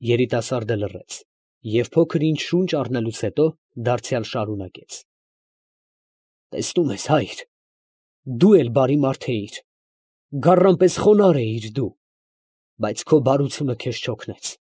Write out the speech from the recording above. Երիտասարդը լռեց և փոքր ինչ շունչ առնելուց հետո դարձյալ շարունակեց. ֊ Տեսնում ես, հա՛յր, դու էլ բարի մարդ էիր, գառան պես խոնարհ էիր դու, բայց քո բարությունը քեզ չօգնեց։